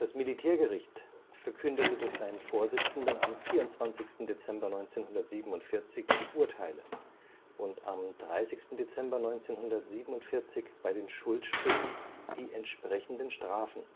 Militärgericht verkündete durch seinen Vorsitzenden am 24. Dezember 1947 die Urteile und am 30. Dezember 1947 bei den Schuldsprüchen die entsprechenden Strafen